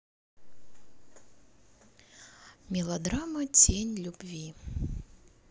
мелодрама тень любви